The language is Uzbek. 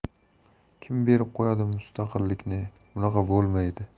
kim berib qo'yadi mustaqillikni bunaqa bo'lmaydi